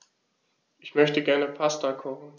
Ich möchte gerne Pasta kochen.